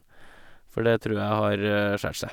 For det trur jeg har skjært seg.